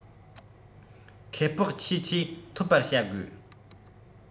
ཁེ སྤོགས ཆེས ཆེ འཐོབ པ བྱ དགོས